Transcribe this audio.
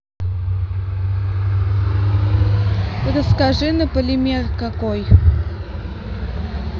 расскажи на полимер какой